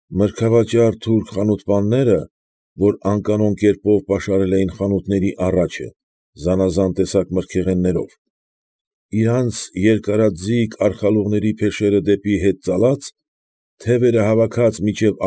Մրգավաճառ թուրք խանութպանները, որն անկանոն կերպով պաշարել էին խանութների առաջը զանաղան տեսակ մրգեղեններով, իրանց երկարաձիգ արխալուղների փեշերը դեպի հետ ծալած, թևերը հավաքած մինչև։